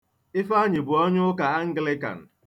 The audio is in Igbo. Ifeanyị bụ onye Ụka Anglịkan.